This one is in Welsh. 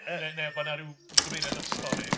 Neu... neu... neu bod 'na ryw gyfeiriad at y stori.